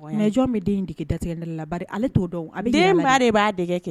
J bɛ den in d dagɛ dali la bari ale t'o dɔn a bɛ den baara de b'a dɛ kɛ